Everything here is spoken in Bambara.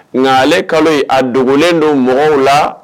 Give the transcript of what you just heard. Nka ale kalo a dogolen don mɔgɔw la